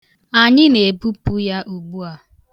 Anyị na-ebupu ya ugbua.